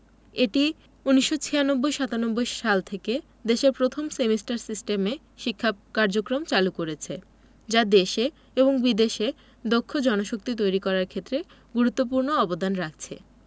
এটি ১৯৯৬ ৯৭ সাল থেকে দেশের প্রথম সেমিস্টার সিস্টেমে শিক্ষা কার্যক্রম চালু করেছে যা দেশে এবং বিদেশে দক্ষ জনশক্তি তৈরি করার ক্ষেত্রে গুরুত্বপূর্ণ অবদান রাখছে